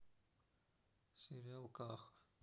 сериал каха